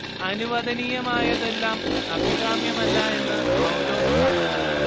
അനുവദനീയമായതെല്ലാം അഭികാമ്യമല്ല എന്ന് പൗലോസ് വാദിച്ചു